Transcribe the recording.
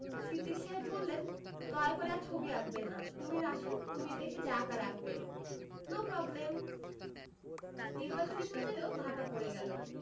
সিদ্দিক সাহেব বললেন দয়া করে আর ছবি আঁকবেন না কুমীর আসুক কুমীর দেখে যা আঁকার আঁকবেন নো প্রবলেম নিবাচনী প্রচারেও ভাটা পড়ে গেল